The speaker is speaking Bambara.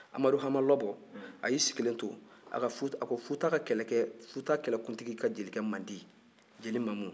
amadu hama lɔbɔ a y'i sigilen to a ko futakɛlɛkuntigi ka jelikɛ mandi jeli mamu